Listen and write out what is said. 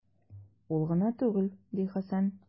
Ул гына түгел, - ди Хәсән.